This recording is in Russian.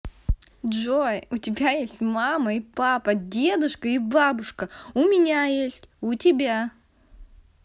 джой у тебя есть мама и папа дедушка и бабушка у меня есть у тебя